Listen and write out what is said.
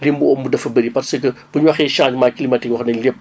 li mu ëmb dafa bµµëri parce que bu ñu waxee changement climatique wax nañ lépp